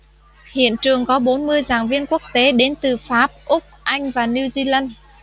hiện trường có bốn mươi giảng viên quốc tế đến từ pháp úc anh và new zealand